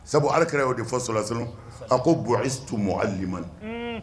Sabu alaki y oo de fɔ solaso a ko bon mɔ ali lilima